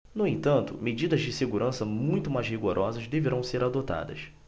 no entanto medidas de segurança muito mais rigorosas deverão ser adotadas